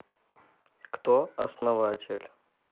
кто основатель